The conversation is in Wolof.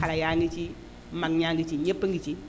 xale yaa ngi ci mag ñaa ngi ci ñëpp a ngi ci